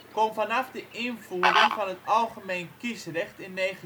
kon vanaf de invoering van het algemeen kiesrecht (1917